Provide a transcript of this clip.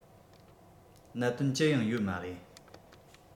གནད དོན ཅི ཡང ཡོད མ རེད